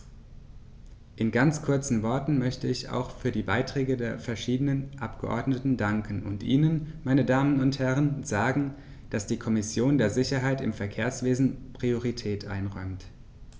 In ganz kurzen Worten möchte ich auch für die Beiträge der verschiedenen Abgeordneten danken und Ihnen, meine Damen und Herren, sagen, dass die Kommission der Sicherheit im Verkehrswesen Priorität einräumt.